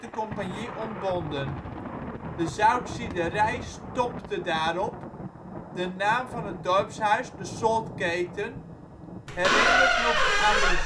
compagnie ontbonden. De zoutziederij stopte daarop (de naam van het dorpshuis ' de Soltketen ' herinnert nog aan de